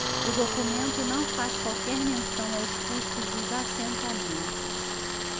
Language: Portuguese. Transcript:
o documento não faz qualquer menção aos custos dos assentamentos